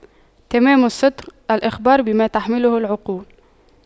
تمام الصدق الإخبار بما تحمله العقول